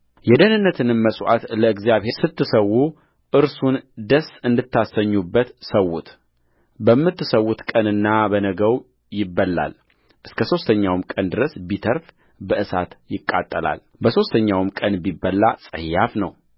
የደኅንነትንም መሥዋዕት ለእግዚአብሔር ስትሰዉ እርሱን ደስ እንድታሰኙበት ሠዉትበምትሠዉት ቀንና በነጋው ይበላል እስከ ሦስተኛውም ቀን ድረስ ቢተርፍ በእሳት ይቃጠላልበሦስተኛውም ቀን ቢበላ ጸያፍ ነው